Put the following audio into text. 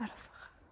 Arhoswch.